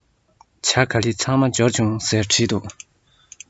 ཇ ག ལི ཚང མ འབྱོར བྱུང